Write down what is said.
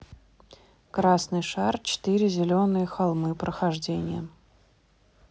красный шар четыре зеленые холмы прохождение